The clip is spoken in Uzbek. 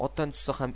otdan tushsa ham